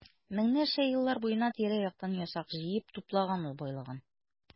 Меңнәрчә еллар буена тирә-яктан ясак җыеп туплаган ул байлыгын.